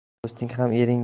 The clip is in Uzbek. do'sting ham ering